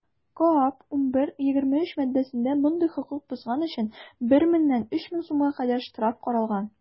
КоАП 11.23 маддәсендә мондый хокук бозган өчен 1 меңнән 3 мең сумга кадәр штраф каралган.